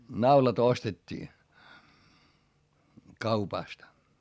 naulat ostettiin kaupasta